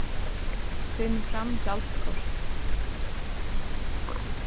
finn fram gjaldskort